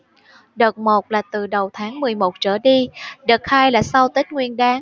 đợt một là từ đầu tháng mười một trở đi đợt hai là sau tết nguyên đán